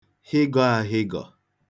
hịgọ̄ āhị̄gọ̀